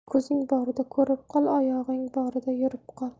ko'zing borida ko'rib qol oyog'ing borida yurib qol